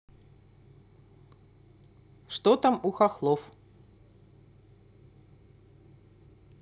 что там у хохлов